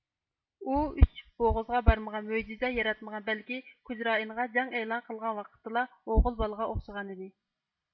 ئۇ ئۈچ بوغۇزغا بارمىغان مۆجىزە ياراتمىغان بەلكى كوجرائىنغا جەڭ ئېلان قىلغان ۋاقتىدىلا ئوغۇل بالىغا ئوخشىغانىدى